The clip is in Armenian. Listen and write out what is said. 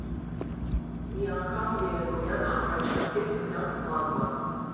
Մի անգամ երեկոյան առաջարկեց գնանք ման գանք։